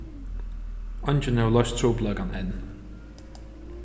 eingin hevur loyst trupulleikan enn